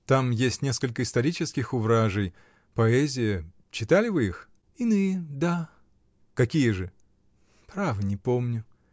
— Там есть несколько исторических увражей. Поэзия. читали вы их? — Иные — да. — Какие же? — Право, не помню!